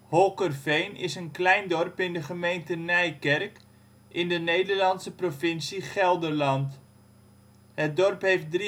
Holkerveen is een klein dorp in de gemeente Nijkerk, in de Nederlandse provincie Gelderland. Het dorp heeft